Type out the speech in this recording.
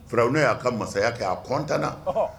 Fraww' y'a ka mansaya kɛ a kɔntan na